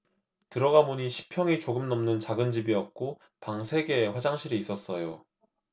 들어가보니 십 평이 조금 넘는 작은 집이었고 방 세 개에 화장실이 있었어요